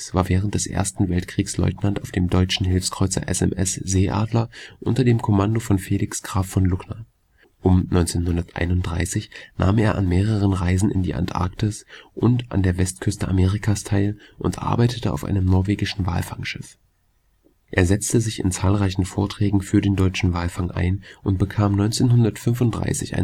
war während des Ersten Weltkrieges Leutnant auf dem deutschen Hilfskreuzer SMS Seeadler unter dem Kommando von Felix Graf von Luckner. Um 1931 nahm er an mehreren Reisen in die Antarktis und an der Westküste Amerikas teil und arbeitete auf einem norwegischen Walfangschiff. Er setzte sich in zahlreichen Vorträgen für den deutschen Walfang ein und bekam 1935